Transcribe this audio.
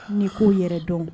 N k kou yɛrɛ dɔn